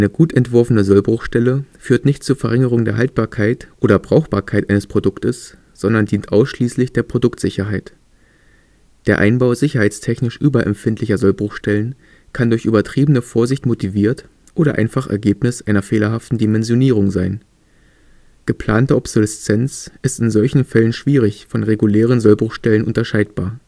gut entworfene Sollbruchstelle führt nicht zur Verringerung der Haltbarkeit oder Brauchbarkeit eines Produktes, sondern dient ausschließlich der Produktsicherheit. Der Einbau sicherheitstechnisch überempfindlicher Sollbruchstellen kann durch übertriebene Vorsicht motiviert oder einfach Ergebnis einer fehlerhaften Dimensionierung sein. Geplante Obsoleszenz ist in solchen Fällen schwierig von regulären Sollbruchstellen unterscheidbar